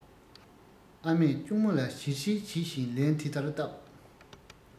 ཨ མས གཅུང མོ ལ བྱིལ བྱིལ བྱེད བཞིན ལན དེ ལྟར བཏབ